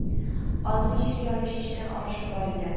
Аның җир ярым чәчкән арышы бар иде